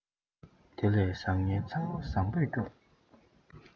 དེ ལས བཟང ངན ཚང མ བཟང པོས སྐྱོངས